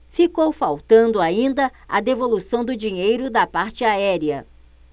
ficou faltando ainda a devolução do dinheiro da parte aérea